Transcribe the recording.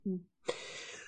Hmm.